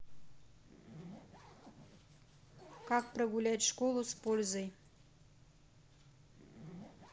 как прогулять школу с пользой